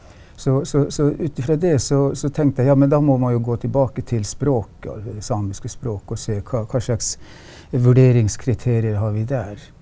så så så ut ifra det så så tenkte jeg ja, men da må man jo gå tilbake til språket det samiske språk og se hva hva slags vurderingskriterier har vi der.